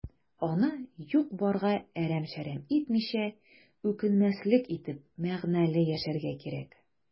Аны юк-барга әрәм-шәрәм итмичә, үкенмәслек итеп, мәгънәле яшәргә кирәк.